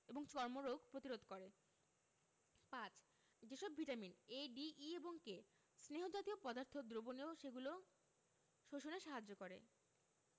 এবং চর্মরোগ প্রতিরোধ করে ৫. যে সব ভিটামিন A D E এবং K স্নেহ জাতীয় পদার্থ দ্রবণীয় সেগুলো শোষণে সাহায্য করে